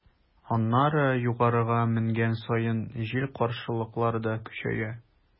Аннары, югарыга менгән саен, җил-каршылыклар да көчәя.